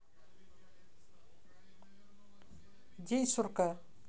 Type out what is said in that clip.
день сурка